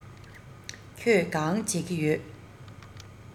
ཁྱོད གང བྱེད ཀྱི ཡོད